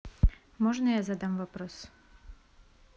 можно я задам вопрос